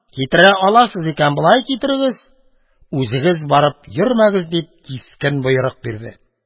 Китерә аласыз икән, болай китерегез, үзегез барып йөрмәгез! – дип, кискен боерык бирде.